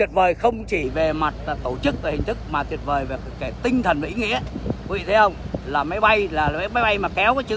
vời không chỉ về mặt tổ chức và hình thức mà tuyệt vời về tinh thần và ý nghĩa quý vị thấy không là máy bay là máy bay mà kéo cái chữ